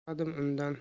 so'radim undan